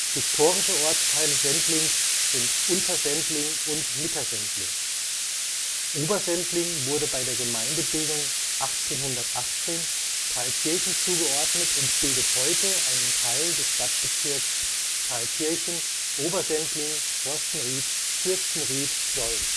Historische Ortsteile Sendlings sind Untersendling und Mittersendling. Obersendling wurde bei der Gemeindebildung 1818 Thalkirchen zugeordnet und bildet heute einen Teil des Stadtbezirks Thalkirchen-Obersendling-Forstenried-Fürstenried-Solln